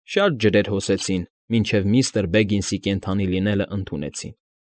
Շատ ջրեր հոսեցին մինչև միստր Բեգինսի կենդանի լինելն ընդունեցին։